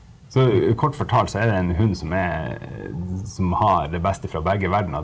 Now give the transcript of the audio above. så kort fortalt så er det en hund som er som har det beste fra begge verdener.